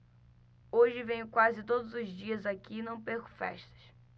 hoje venho quase todos os dias aqui e não perco festas